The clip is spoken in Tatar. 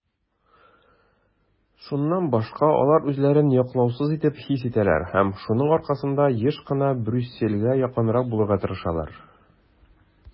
Шуннан башка алар үзләрен яклаусыз итеп хис итәләр һәм шуның аркасында еш кына Брюссельгә якынрак булырга тырышалар.